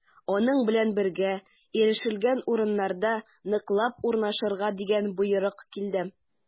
Аның белән бергә ирешелгән урыннарда ныклап урнашырга дигән боерык килде.